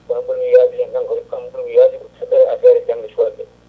taw ko ɓurmi yadude kam ko ɓurmi yadude so tawi ko affaire jangde sukaɓeɓe